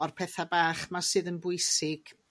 o'r petha bach 'ma sydd yn bwysig